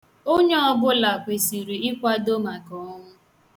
Onye ọbụla kwesịrị ịkwado maka ọnwụ.